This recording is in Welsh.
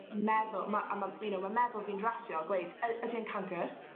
meddwl ma' a ma' you know ma' meddwl fi'n rasio a gweud y- ydi e'n cancyr?